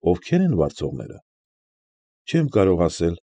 Ովքե՞ր են վարձողները։ ֊ Չեմ կարող ասել։